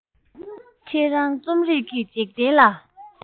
ཁྱོད རང རྩོམ རིག གི འཇིག རྟེན ལ